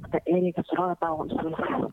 Ka taa den ye ka sɔrɔ ka taa wasa